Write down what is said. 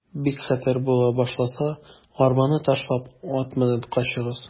Бик хәтәр була башласа, арбаны ташлап, ат менеп качыгыз.